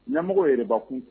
Ɲɛmɔgɔ yɛrɛbakun